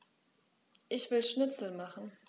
Ich will Schnitzel machen.